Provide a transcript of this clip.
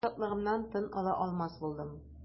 Мин шатлыгымнан тын ала алмас булдым.